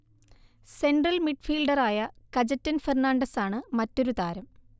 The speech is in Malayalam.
സെൻട്രൽ മിഡ്ഫീൽഡറായ കജെറ്റൻ ഫെർണാണ്ടസാണ് മറ്റൊരു താരം